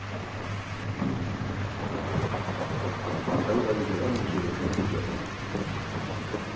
tóra vitjar ommu sína hvønn fríggjadag